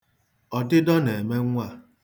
Ọdịdọ na-eme nwa a.